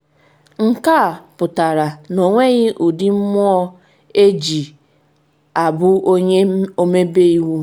“Nke a pụtara na ọ nweghị ụdị mmụọ eji a bụ Onye Ọmebe Iwu.